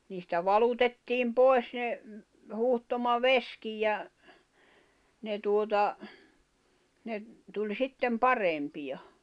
niistä valutettiin pois ne huuhtomavesikin ja ne tuota ne tuli sitten parempi ja